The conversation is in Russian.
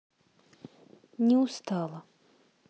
не устала